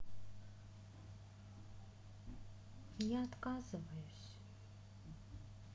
я отказываюсь